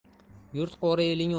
yurt qo'ri eling